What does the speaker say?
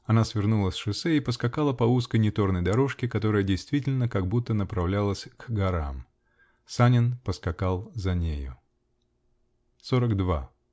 Она свернула с шоссе и поскакала по узкой, неторной дорожке, которая действительно как будто направлялась к горам. Санин поска-- кал за нею. Сорок два.